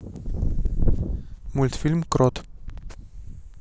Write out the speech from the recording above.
мультфильм крот